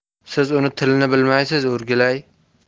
siz uning tilini bilmaysiz o'rgilay